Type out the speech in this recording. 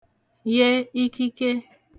ye ikike